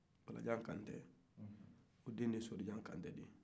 balajan kante den de ye soorijan kante ye